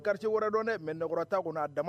Garisi wɛrɛ dɔn ne mɛ nɔgɔkɔrɔta kɔnɔ a